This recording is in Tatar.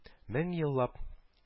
Мең еллап